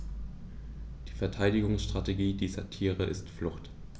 Die Verteidigungsstrategie dieser Tiere ist Flucht.